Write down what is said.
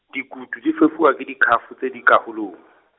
dikutu di fefuwa ka dikhafo tse dikolohang.